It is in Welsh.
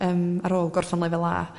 yym ar ôl gorffan lefel a